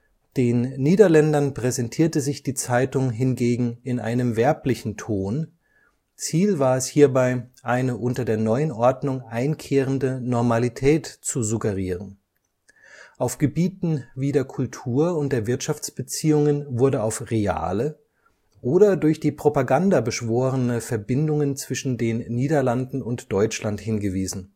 Den Niederländern präsentierte sich die Zeitung hingegen in einem werblichen Ton, Ziel war es hierbei, eine unter der neuen Ordnung einkehrende Normalität zu suggerieren. Auf Gebieten wie der Kultur und der Wirtschaftsbeziehungen wurde auf reale oder durch die Propaganda beschworene Verbindungen zwischen den Niederlanden und Deutschland hingewiesen